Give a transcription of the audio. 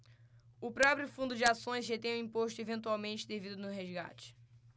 o próprio fundo de ações retém o imposto eventualmente devido no resgate